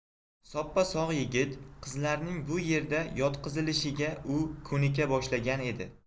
soppa sog' yigit qizlarning bu yerga yotqizilishiga u ko'nika boshlagan edi